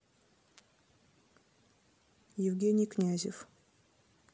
евгений князев